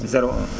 01